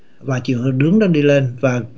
và chiều hướng nó đi lên và